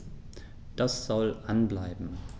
Das soll an bleiben.